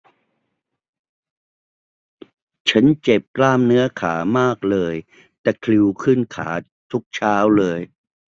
ฉันเจ็บกล้ามเนื้อขามากเลยตะคริวขึ้นขาทุกเช้าเลย